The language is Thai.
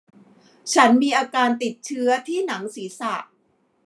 ฉันมีอาการติดเชื้อที่หนังศีรษะ